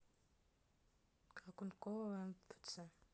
картункова мфц